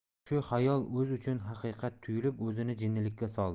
shu xayoli o'zi uchun haqiqat tuyulib o'zini jinnilikka soldi